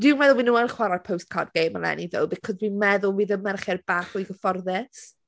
Dwi'n meddwl fydden nhw yn chwarae'r postcard game eleni ddo because fi'n meddwl bydd y merched bach fwy gyfforddus.